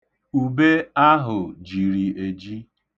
Ube ahụ jiri eji.